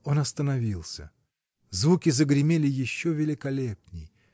он остановился: звуки загремели еще великолепней